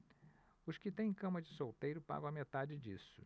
os que têm cama de solteiro pagam a metade disso